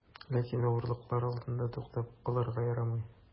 Ләкин авырлыклар алдында туктап калырга ярамый.